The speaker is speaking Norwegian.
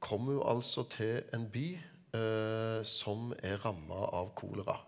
komme hun altså til en by som er ramma av kolera.